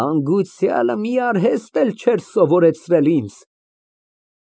Հանգուցյալը մի արհեստ էլ չէր սովորեցրել ինձ։